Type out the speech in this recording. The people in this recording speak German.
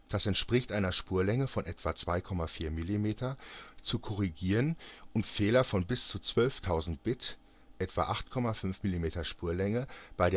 das entspricht einer Spurlänge von etwa 2,4 mm) zu korrigieren und Fehler von bis zu 12000 Bit (etwa 8,5 mm Spurlänge) bei